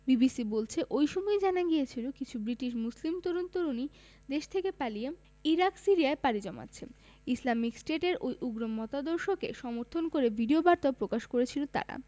BBC বলছে ওই সময়ই জানা গিয়েছিল কিছু ব্রিটিশ মুসলিম তরুণ তরুণী দেশ থেকে পালিয়ে ইরাক সিরিয়ায় পাড়ি জমাচ্ছে ইসলামিক স্টেটের ওই উগ্র মতাদর্শকে সমর্থন করে ভিডিওবার্তাও প্রকাশ করছিল তারা